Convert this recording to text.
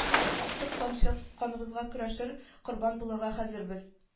Актык тамчы каныбызга көрәшер корбан булырга хәзербез